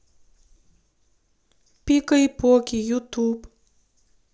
пика и поки ютуб